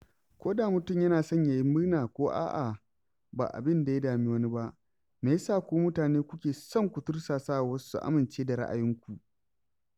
Ko da mutum yana son ya yi murnar ko a'a ba abin da ya dami wani ba, me ya sa ku mutane kuke son ku tursasawa wasu su amince da ra'ayinku?